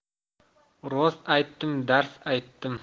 rost aytdim dars aytdim